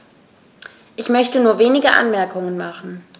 Ich möchte nur wenige Anmerkungen machen.